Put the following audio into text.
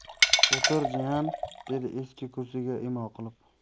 o'tir jiyan dedi eski kursiga imo qilib